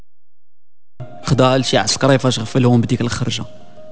اهداء لش عسكري فله